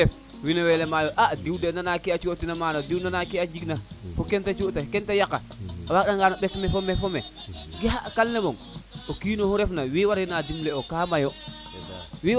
wane mbay lema yo a diw de nana kete cotina mana diw nana ke di jig na fo ke te cota ke te yaka a waaga ngan a ɓek meke fo meke kam lemong o kinoxu ref na we warena dim le ox ka ka mayo